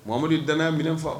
Mahamadumudu dan minɛfa